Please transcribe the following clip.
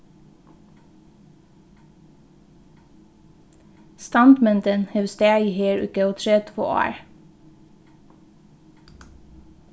standmyndin hevur staðið her í góð tretivu ár